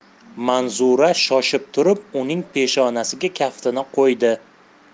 manzura shoshib turib uning peshonasiga kaftini qo'ydi